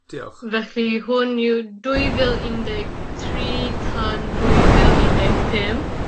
Diolch. Felly, hwn yw dwy fil un deg tri tan dwy fil un deg pump.